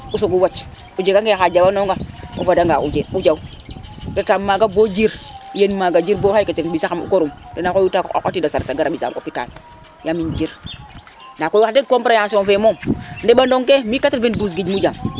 o sogo wac o jega nge xa jawa nonga o fada nga o jaw retam maga bo jir yen maga jir bo xeke mbisa xam o korum tena xooyu te xotida saret a gara mbisaam hopital yamim jir na koy wax deg comme comprehension fe moom ɗeɓanoong ke mi 92 gij mo jang